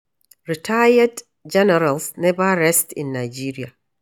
Retired generals never rest in Nigeria